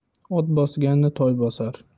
ot bosganni toy bosar